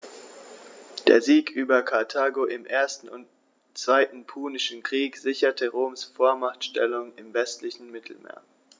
Der Sieg über Karthago im 1. und 2. Punischen Krieg sicherte Roms Vormachtstellung im westlichen Mittelmeer.